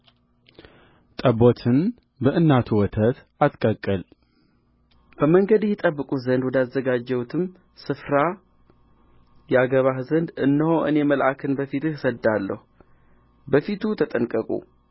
ጠቦትን በእናቱ ወተት አትቀቅል በመንገድ ይጠብቅህ ዘንድ ወዳዘጋጀሁትም ስፍራ ያገባህ ዘንድ እነሆ እኔ መልአክን በፊትህ እሰድዳለሁ በፊቱ ተጠንቀቁ